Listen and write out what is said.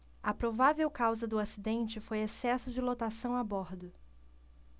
a provável causa do acidente foi excesso de lotação a bordo